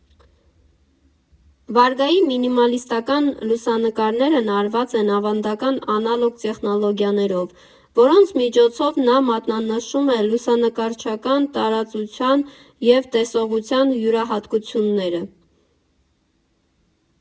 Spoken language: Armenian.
Վարգայի մինիմալիստական լուսանկարներն արված են ավանդական, անալոգ տեխնոլոգիաներով, որոնց միջոցով նա մատնանշում է լուսանկարչական տարածության և տեսողության յուրահատկությունները։